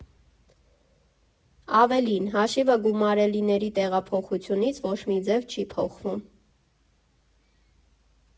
Ավելին՝ հաշիվը գումարելիների տեղափոխությունից ոչ մի ձև չի փոխվում։